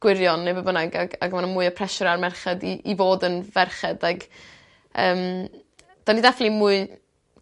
gwirion neu be' bynnag ag ag ma' 'na mwy o pressure ar merched i i fod yn ferched ag yym 'dan ni ddefinly mwy